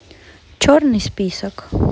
черный список